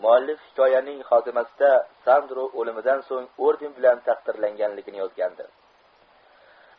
muallif hikoyaning xotimasida sandro o'limidan so'ng orden bilan taqdirlanganligini yozgandi